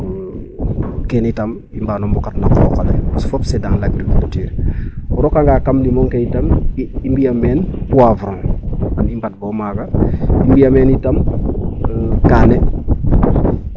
Kene itam i mbaan o mbokat no qooq ale parce que fop c' est dans l' agriculture o rokanga kam limong ke itam i mbi'a men poivron xa i mbad bo maaga i mbi'a men itam kaane.